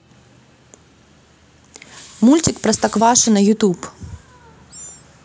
мультик простоквашино ютуб